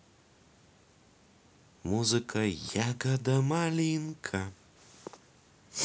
музыка ягода малинка